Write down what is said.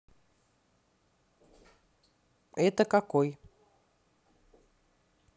это какой